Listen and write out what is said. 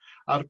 a'r